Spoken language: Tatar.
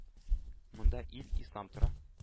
Монда ил-ислам тора.